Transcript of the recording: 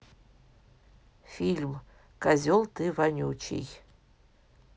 фильм козел ты вонючий